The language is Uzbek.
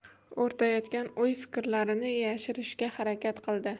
o'rtayotgan o'y fikrlarini yashirishga harakat qildi